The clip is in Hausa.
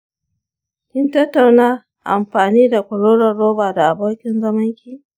kin tattauna amfani da kororon roba da abokin zamanki?